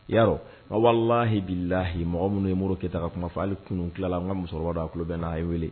I y'a dɔn walahilahi mɔgɔ minnu ye muru kɛyitata kuma fɔale kun tilala an ka musokɔrɔba a ku bɛ n' aa ye wele